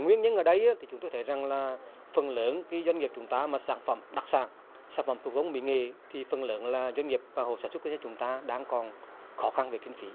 nguyên nhân ở đây thì chúng tôi thấy rằng là phần lớn khi doanh nghiệp chúng ta mà sản phẩm đặc sản sản phẩm thủ công mỹ nghệ thì phần lớn là doanh nghiệp và hộ sản xuất ít nhất chúng ta đang còn khó khăn về kinh phí